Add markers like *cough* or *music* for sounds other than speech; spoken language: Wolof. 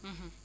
*hesitation* *hesitation*